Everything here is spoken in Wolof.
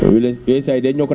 US USAID ñoo ko